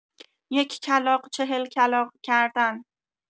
یک کلاغ چهل کلاغ کردن